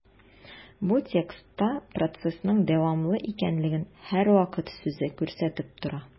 Бу текстта процессның дәвамлы икәнлеген «һәрвакыт» сүзе күрсәтеп тора.